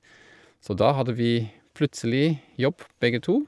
Så da hadde vi plutselig jobb begge to.